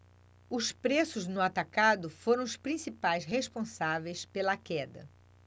os preços no atacado foram os principais responsáveis pela queda